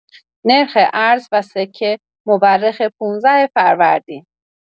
نرخ ارز و سکه مورخ ۱۵ فروردین